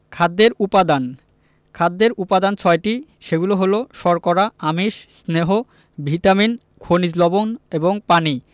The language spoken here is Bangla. খাদ্যের উপাদান খাদ্যের উপাদান ছয়টি সেগুলো হলো শর্করা আমিষ স্নেহ ভিটামিন খনিজ লবন এবং পানি